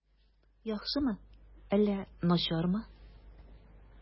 Яхшымы әллә начармы?